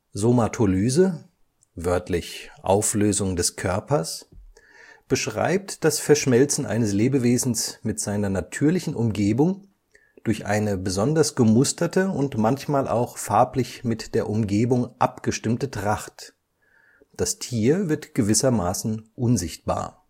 Somatolyse (wörtlich: Auflösung des Körpers) beschreibt das Verschmelzen eines Lebewesens mit seiner natürlichen Umgebung durch eine besonders gemusterte und manchmal auch farblich mit der Umgebung abgestimmte Tracht – das Tier wird gewissermaßen unsichtbar